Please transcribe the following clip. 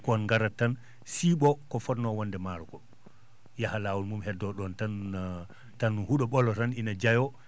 kon ngarat tan siiɓoo ko fotnoo wonde maaro ko yaha laawol mum heddoo ɗon tan tan huɗo ɓolo tan ine jayoo